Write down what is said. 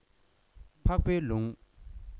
འཕགས པའི ལུང